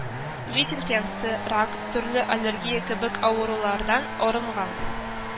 Вич-инфекция, рак, төрле аллергия кебек авырулардан арынган,